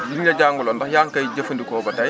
li ñu la jàngaloon ndax yaa ngi koy jafandikoo ba tey